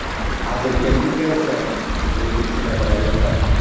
hazilkash ekansan menga shunaqalar yoqadi